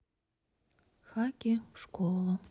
хаки в школу